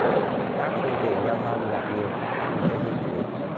các phương tiện giao thông gặp nhiều khó khăn để di chuyển